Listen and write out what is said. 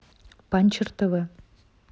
панчер тв